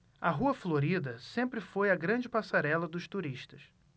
a rua florida sempre foi a grande passarela dos turistas